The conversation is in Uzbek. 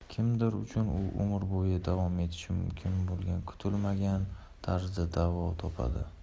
kimdir uchun u umr bo'yi davom etishi mumkin kimdir kutilmagan tarzda davo topadi